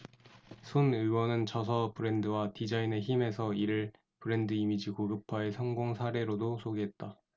손 의원은 저서 브랜드와 디자인의 힘 에서 이를 브랜드 이미지 고급화의 성공 사례로도 소개했다